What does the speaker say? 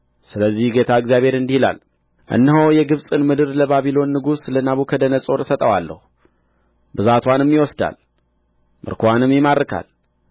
ስለዚህ ጌታ እግዚአብሔር እንዲህ ይላል እነሆ የግብጽን ምድር ለባቢሎን ንጉሥ ለናቡከደነፆር እሰጠዋለሁ ብዛትዋንም ይወስዳል ምርኮዋንም ይማርካል